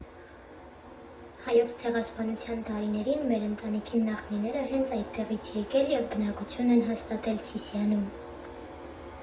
Հայոց Ցեղասպանության տարիներին մեր ընտանիքի նախնիները հենց այդտեղից եկել և բնակություն են հաստատել Սիսիանում։